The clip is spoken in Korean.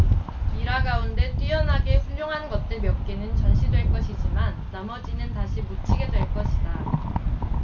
미라 가운데 뛰어나게 훌륭한 것들 몇 개는 전시될 것이지만 나머지는 다시 묻히게 될 것이다